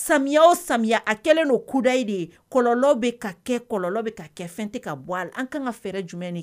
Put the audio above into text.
Samiya o samiya a kɛlen don kudayi de ye kɔlɔ bɛ ka kɛ kɔlɔ bɛ ka kɛ fɛn tɛ ka bɔ a la, an kan ka fɛɛrɛ jumɛn de tigɛ?